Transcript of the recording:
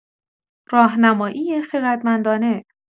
راهنمایی خردمندانه